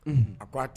A ko a tɛ